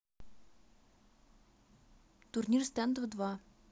турнир стендов два